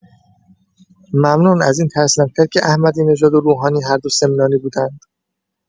ممنون از این ترسناک‌تر که احمدی‌نژاد و روحانی هر دو سمنانی بودند!